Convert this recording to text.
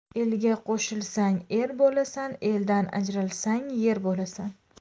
elga qo'shilsang er bo'lasan eldan ajralsang yer bo'lasan